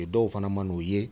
E dɔw fana ma n'o ye.